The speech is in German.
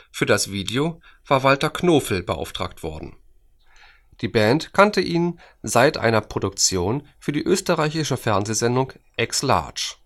Für das Video war Walter Knofel beauftragt worden. Die Band kannte ihn seit einer Produktion für die österreichische Fernsehsendung X-Large